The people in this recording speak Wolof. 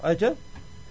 ayca